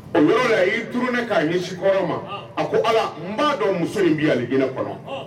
O yɔrɔ yɛrɛ y'iurunnen k'a ɲɛ sikɔrɔ ma a ko ala n b'a dɔn muso in bɛ aliinɛ kɔnɔ